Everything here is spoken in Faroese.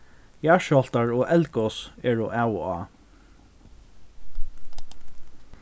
jarðskjálvtar og eldgos eru av og á